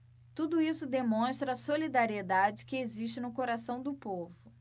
tudo isso demonstra a solidariedade que existe no coração do povo